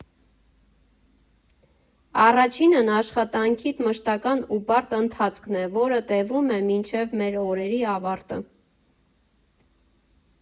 Առաջինն անշխատանքիդ մշտական ու բարդ ընթացքն է, որը տևում է մինչև մեր օրերի ավարտը։